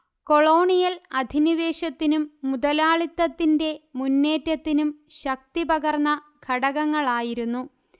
colonial അധിനിവേശത്തിനും മുതലാളിത്തത്തിന്റെ മുന്നേറ്റത്തിനും ശക്തി പകർന്ന ഘടകങ്ങളായിരുന്നു